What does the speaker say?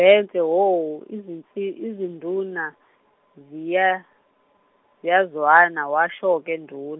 -bhense hho, izinsi- izinduna, ziya- ziyazwana, washo ke ndun-.